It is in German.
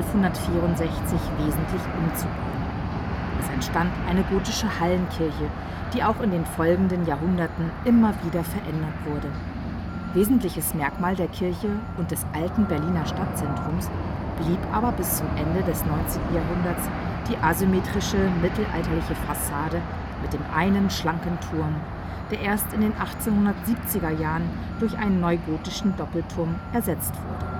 1264 wesentlich umzubauen. Es entstand eine gotische Hallenkirche, die auch in den folgenden Jahrhunderten immer wieder verändert wurde. Wesentliches Merkmal der Kirche und des alten Berliner Stadtzentrums blieb aber bis zum Ende des 19. Jahrhunderts die asymmetrische mittelalterliche Fassade mit dem einen, schlanken Turm, der erst in den 1870er Jahren durch einen neogotischen Doppelturm ersetzt wurde